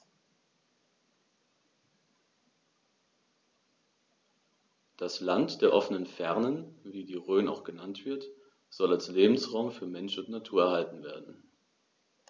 Das „Land der offenen Fernen“, wie die Rhön auch genannt wird, soll als Lebensraum für Mensch und Natur erhalten werden.